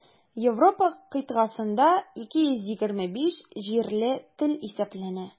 Европа кыйтгасында 225 җирле тел исәпләнә.